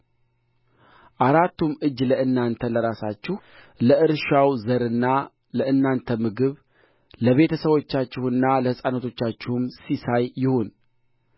አራቱም እጅ ለእናንተ ለራሳችሁ ለእርሻው ዘርና ለእናንተ ምግብ ለቤተ ሰዋችሁና ለሕፃናቶቻችሁም ሲሳይ ይሁን